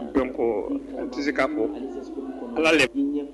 Dɔn u tɛ se ka ko alalen